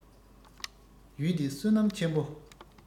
ཡུལ འདི བསོད ནམས ཆེན མོ